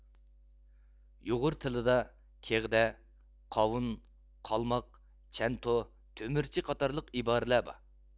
يۇغۇر تىلىدا كېغدە قاۋۇن قالماق چەنتۇ تۆمۈرچى قاتارلىق ئىبارىلەر بار